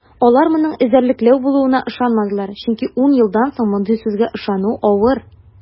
Алар моның эзәрлекләү булуына ышанмадылар, чөнки ун елдан соң мондый сүзгә ышану авыр.